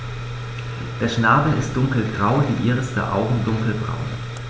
Der Schnabel ist dunkelgrau, die Iris der Augen dunkelbraun.